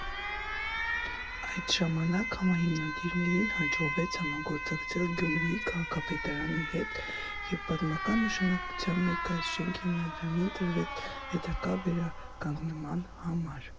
Այդ ժամանակ համահիմնադիրներին հաջողվեց համագործակցել Գյումրիի քաղաքապետարանի հետ և պատմական նշանակության մեկ այլ շենք հիմնադրամին տրվեց հետագա վերականգնման համար։